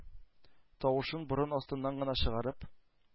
Тавышын борын астыннан гына чыгарып: